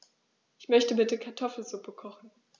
Ich möchte bitte Kartoffelsuppe kochen.